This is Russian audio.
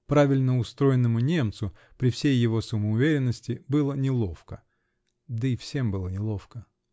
Правильно устроенному немцу, при всей его самоуверенности, было неловко. Да и всем было неловко.